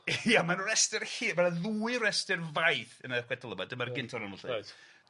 Ia ma'n restr hir ma' 'na ddwy restr faith yn y chwedl yma dyma'r gynta onyn nw 'lly. Reit.